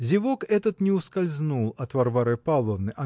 Зевок этот не ускользнул от Варвары Павловны